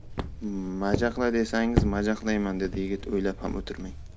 majaqla desangiz majaqlayman dedi yigit o'ylab ham o'tirmay